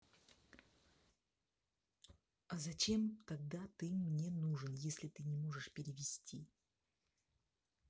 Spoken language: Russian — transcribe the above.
а зачем тогда ты мне нужен если ты не можешь перевести